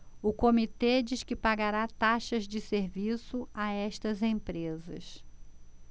o comitê diz que pagará taxas de serviço a estas empresas